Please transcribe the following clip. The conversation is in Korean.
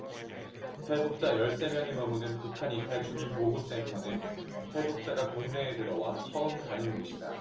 탈북자 열 세 명이 머무는 북한이탈주민보호센터는 탈북자가 국내에 들어와 처음 가는 곳이다